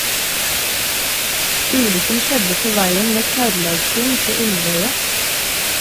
Ulykken skjedde på veien ved Knarrlagsund på Ulvøya.